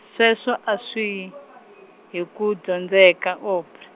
sweswo a swi yi , hi ku dyondzeka obr-.